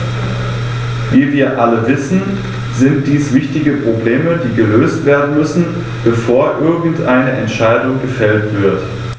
Wie wir alle wissen, sind dies wichtige Probleme, die gelöst werden müssen, bevor irgendeine Entscheidung gefällt wird.